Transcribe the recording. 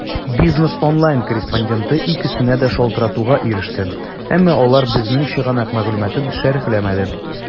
"бизнес online" корреспонденты икесенә дә шалтыратуга иреште, әмма алар безнең чыганак мәгълүматын шәрехләмәде.